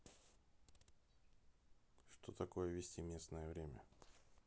что такое вести местное время